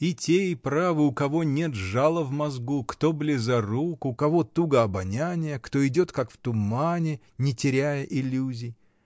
И те и правы, у кого нет жала в мозгу, кто близорук, у кого туго обоняние, кто идет, как в тумане, не теряя иллюзий!